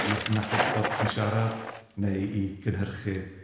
i adnabod y ffordd 'dych chi'n siarad neu i gynhyrchu...